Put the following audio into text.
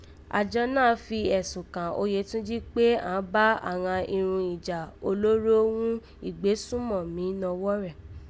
Àjọ náà fi ẹ̀sùn kàn Oyètúnjí kpé àán bá àghan irun ìjà olóró ghún ìgbésùnmọ̀mí nọ́wọ́ rẹ̀